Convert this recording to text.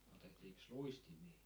otettiinkos luistimia